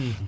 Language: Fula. %hm